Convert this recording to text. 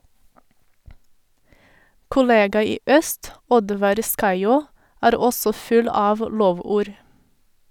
Kollega i øst, Oddvar Skaiaa, er også full av lovord.